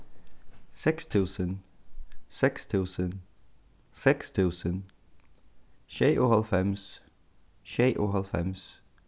seks túsund seks túsund seks túsund sjeyoghálvfems sjeyoghálvfems